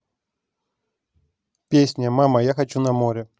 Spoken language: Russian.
песня мама я хочу на море